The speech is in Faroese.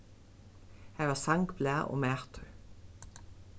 har var sangblað og matur